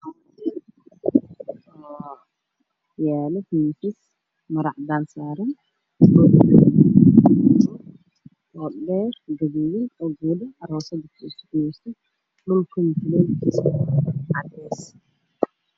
Meshaan waxaa yaalo miisas mara cadaan saran yahay